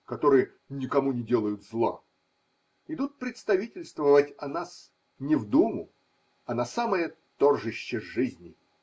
которые никому не делают зла, идут представительствовать о нас не в Думу, а на самое торжище жизни.